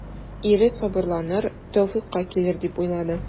Ире сабырланыр, тәүфыйкка килер дип уйлады.